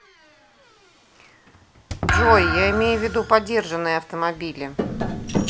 джой я имею в виду подержанные автомобили